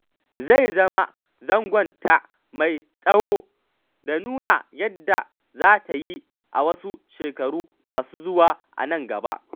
Zai zama zangonta mai tsawo da nuna yadda za ta yi a wasu shekaru masu zuwa nan gaba.